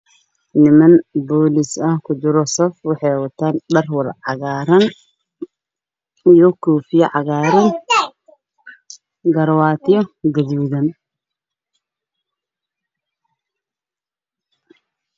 Niman boolis ah waxey wataan koofiyado cagaaran